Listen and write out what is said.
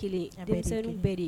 Kelen dɛsɛte bɛ de